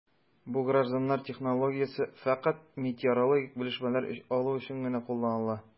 Бу гражданнар технологиясе фәкать метеорологик белешмәләр алу өчен генә кулланыла...